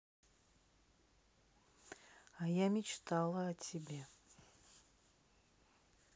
а я мечтала о тебе